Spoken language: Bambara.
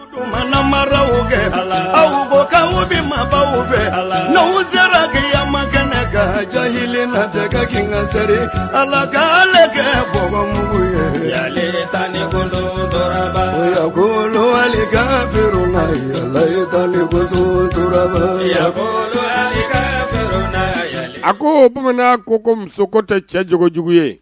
Tuma nama kɛ a a ko ka bɛ mamaw fɛ a la nka siranyalaki yakɛ ka ja hakili latɛ ka kɛ kasɛri a ka ale kɛ bamakɔ ko kafela yaba a ko tuma ko ko muso ko tɛ cɛ cogojugu ye